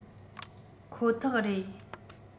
ཁོ ཐག རེད